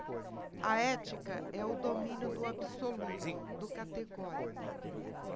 a ética é o domínio do absoluto do categórico